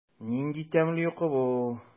Нинди тәмле йокы бу!